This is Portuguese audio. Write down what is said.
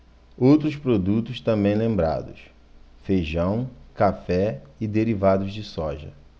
outros produtos também lembrados feijão café e derivados de soja